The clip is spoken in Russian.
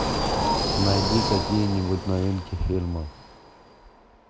найти какие нибудь новинки фильмов